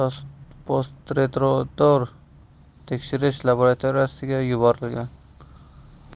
rospotrebnazdor tekshirish laboratoriyasiga yuborilgan